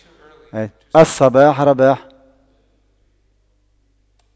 الصباح رباح